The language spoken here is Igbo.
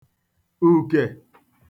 ùkè